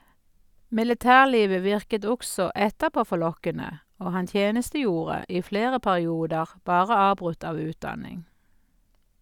Militærlivet virket også etterpå forlokkende, og han tjenestegjorde i flere perioder, bare avbrutt av utdanning.